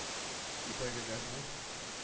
Өйдәгеләрне